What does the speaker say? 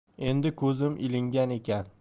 endi ko'zim ilingan ekan